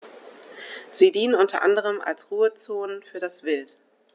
Sie dienen unter anderem als Ruhezonen für das Wild.